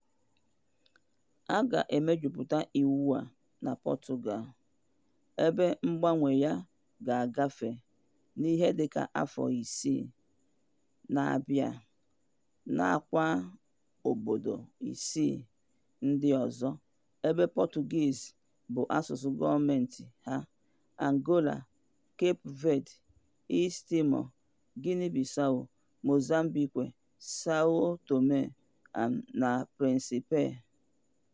A ga-emejupụta iwu a na Portugal, ebe mgbanwe ya ga-agafe n'ihe dike afọ isii na-abịa, nakwa n'obodo isii ndị ọzọ ebe Portuguese bu asụsụ gọọmentị ha: Angola, Cape Verde, East Timor, Guinea-Bissau, Mozambique, São Tomé na Príncipe.